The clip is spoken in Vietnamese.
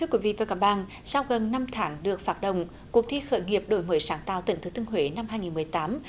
thưa quý vị và các bạn sau gần năm thản được phát động cuộc thi khởi nghiệp đổi mới sáng tạo tỉnh thừa thiên huế năm hai nghìn mười tám